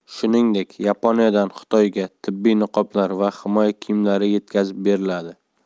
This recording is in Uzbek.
shuningdek yaponiyadan xitoyga tibbiy niqoblar va himoya kiyimlari yetkazib beriladi